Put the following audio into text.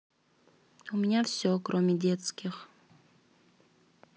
у меня все кроме детских